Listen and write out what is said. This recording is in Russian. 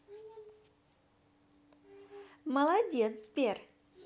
молодец сбер